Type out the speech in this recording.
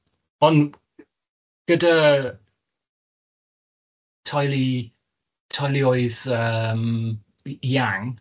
Ond gyda teulu teuluoedd yym iang